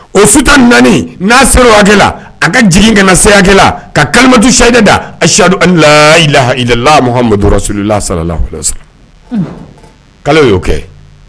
O futa naani n'a serawala a ka jigin ka se sayakɛla la ka kalitu sa ne da alidu lahalamadula sala kalo y'o kɛ